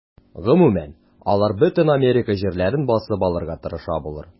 Гомумән, алар бөтен Америка җирләрен басып алырга тырыша булыр.